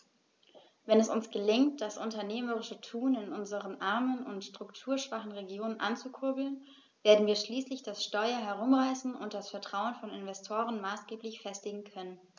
Wenn es uns gelingt, das unternehmerische Tun in unseren armen und strukturschwachen Regionen anzukurbeln, werden wir schließlich das Steuer herumreißen und das Vertrauen von Investoren maßgeblich festigen können.